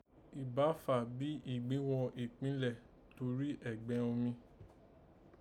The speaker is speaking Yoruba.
Ibà fà bí ìgbín ghọ̀ ìkpínlẹ̀ torí ẹ̀gbẹn omi